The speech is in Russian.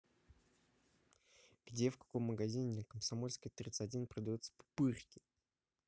где в каком магазине на комсомольской тридцать один продается пупырки